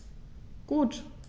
Gut.